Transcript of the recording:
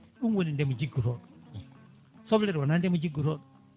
ɗum woni ndeema jiggotoɗo soblere wona ndeema jiggotoɗo